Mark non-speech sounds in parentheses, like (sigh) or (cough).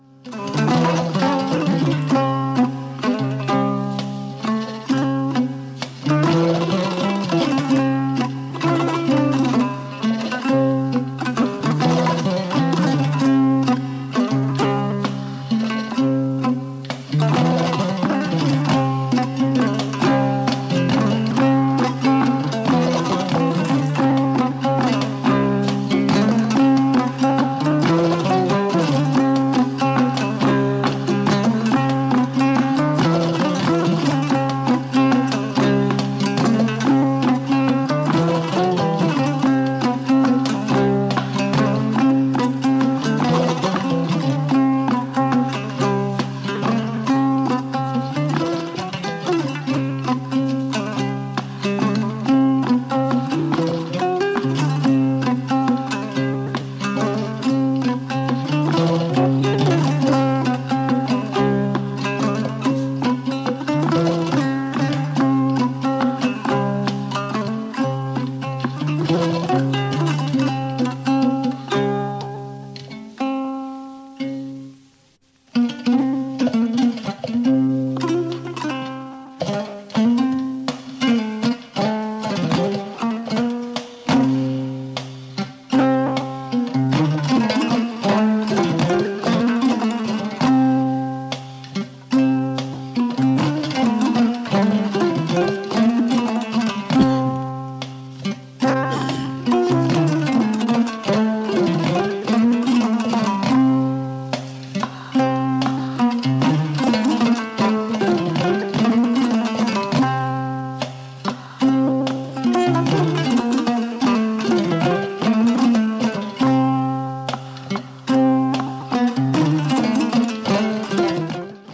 (music)